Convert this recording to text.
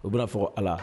O bɛna fɔ ala la